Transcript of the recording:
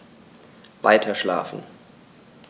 Weiterschlafen.